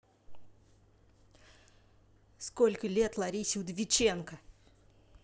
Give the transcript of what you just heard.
сколько лет ларисе удовиченко